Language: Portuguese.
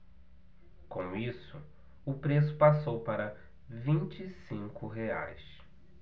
com isso o preço passou para vinte e cinco reais